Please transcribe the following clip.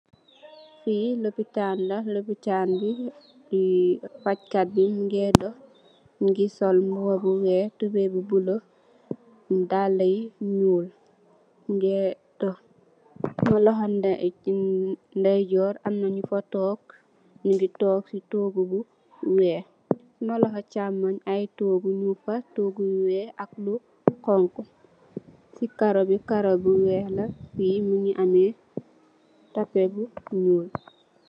Fii loopitaan la, loopitaan bi, facc kat bi ñu ngee dox, mu ngi sol mbuba bu weex, tubooy bu bulo, dallë yu ñuul, mu ngee dox. Suma loxo ndeyjoor bi, am ñu fa toog, ñu ngi toog si toogu bu weex. Suma loxo chaamoy, ay toogu ñung fa, toogu yu weex ak yu xoñxu. Marro bu weex la, fii, mu ngi amee, tappe bu ñuul.